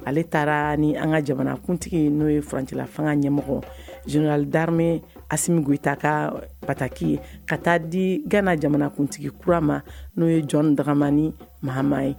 Ale taaraa ni an ŋa jamanakuntigi n'o ye furancɛla faŋa cɛmɔgɔ Géneral d'armée Assimi Goita ka ɔy bataki ye ka taa dii Gana jamanakuntigi kura ma n'o ye Jone Dagamani Mahama ye